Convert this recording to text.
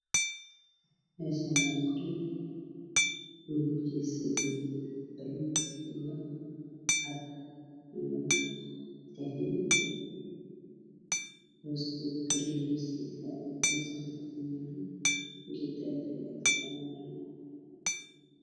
Meeshaan waa guri midabkiisu uu yahay buluug cad iyo dahabi hoostiisa guriga hiostiisa waxaa kuyaalo geed àad iyo aad u cagaaran